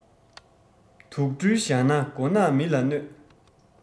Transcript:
དུག སྦྲུལ བཞག ན མགོ ནག མི ལ གནོད